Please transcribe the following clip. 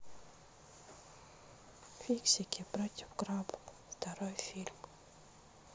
фиксики против крабов второй фильм